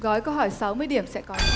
gói câu hỏi sáu mươi điểm sẽ có